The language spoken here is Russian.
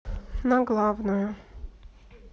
на главную